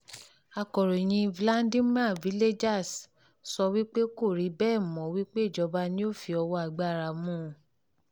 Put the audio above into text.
Akọ̀ròyìn Vladimir Villegas sọ wípé kò rí bẹ́ẹ̀ mọ́ wípé ìjọba ni ó fi ọwọ́ agbára mú u: